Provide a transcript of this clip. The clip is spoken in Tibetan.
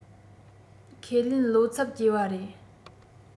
ཁས ལེན བློ འཚབ སྐྱེ བ རེད